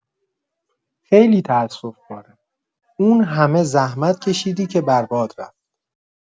خیلی تأسف‌باره اون همه زحمت کشیدی که برباد رفت!